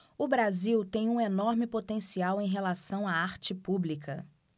o brasil tem um enorme potencial em relação à arte pública